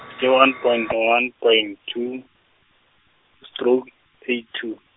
ke one point one point two, stroke, eight two.